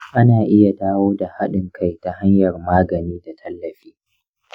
ana iya dawo da haɗin kai ta hanyar magani da tallafi.